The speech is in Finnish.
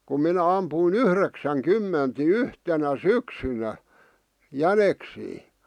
kun minä ammuin - yhdeksänkymmentä niin yhtenä syksynä jäniksiä